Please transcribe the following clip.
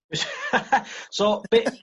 So be...